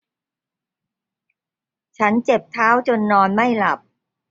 ฉันเจ็บเท้าจนนอนไม่หลับ